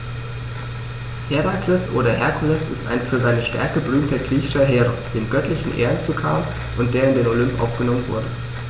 Herakles oder Herkules ist ein für seine Stärke berühmter griechischer Heros, dem göttliche Ehren zukamen und der in den Olymp aufgenommen wurde.